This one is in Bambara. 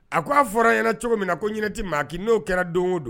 A ko' a fɔra ɲɛna cogo min na ko ɲti maaki n'o kɛra don don